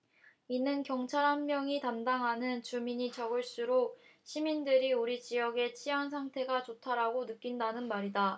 이는 경찰 한 명이 담당하는 주민이 적을수록 시민들이 우리 지역의 치안 상태가 좋다라고 느낀다는 말이다